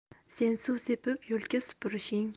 sen suv sepib yo'lka supurishing